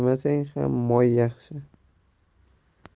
yemasang ham moy yaxshi